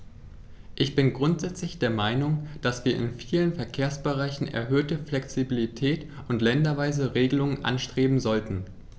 Ich bin grundsätzlich der Meinung, dass wir in vielen Verkehrsbereichen erhöhte Flexibilität und länderweise Regelungen anstreben sollten.